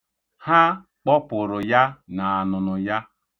Ha kpọpụrụ ya n'anụnụ ya.